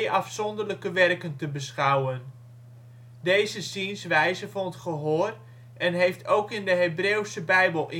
afzonderlijke werken te beschouwen. Deze zienswijze vond gehoor en heeft ook in de Hebreeuwse Bijbel